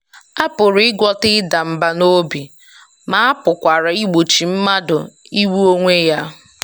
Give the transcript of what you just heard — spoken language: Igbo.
A pụrụ ịgwọta ịda mbà n'obi ma a pụkwara igbochi mmadụ igbu onwe ya.